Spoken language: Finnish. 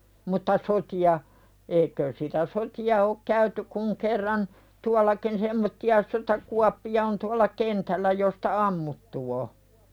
mutta sotia eikös sitä sotia ole käyty kuin kerran tuollakin semmoisia sotakuoppia on tuolla kentällä josta ammuttu on